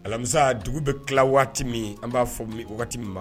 Alamisa dugu bɛ tila waati min an b'a fɔ o waati